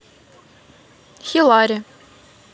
хилари